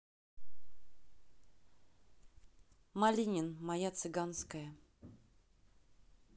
малинин моя цыганская